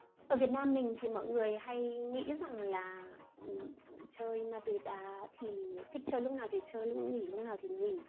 ở việt nam mình thì mọi người hay nghĩ rằng là chơi ma túy đá thì thích chơi lúc nào thì chơi thích nghỉ lúc nào thì nghỉ